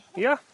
Ia?